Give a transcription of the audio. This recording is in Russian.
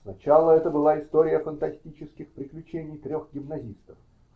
Сначала это была история фантастических приключений трех гимназистов